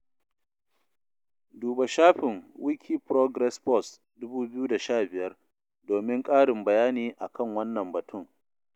Duba shafin Wikiprogress post-2015 domin ƙarin bayani a kan wannan batun.